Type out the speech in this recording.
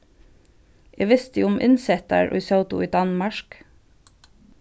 eg visti um innsettar ið sótu í danmark